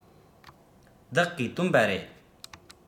བདག གིས བཏོན པ རེད